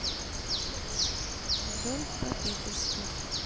вдоль по питерской